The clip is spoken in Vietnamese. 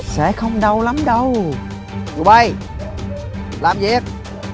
sẽ không đau lắm đâu tụi bay làm việc